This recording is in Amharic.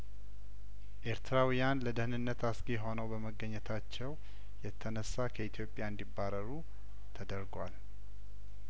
ኤርትራውያን ለደህንነት አስጊ ሆነው በመገኘታቸው የተነሳ ከኢትዮጵያ እንዲ ባረሩ ተደርጓል